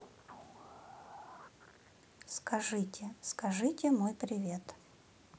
скажите скажите мой привет